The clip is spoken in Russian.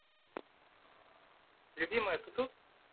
любимая ты тут